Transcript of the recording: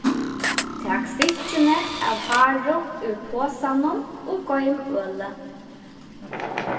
tak stykkini av haru úr posanum og goym ølið